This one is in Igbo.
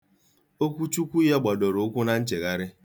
Okwu Chukwu ya gbadoro ụkwụ na nchegharị.